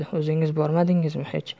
o'zingiz bormadingizmi hech